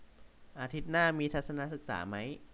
อาทิตย์หน้ามีทัศนศึกษามั้ย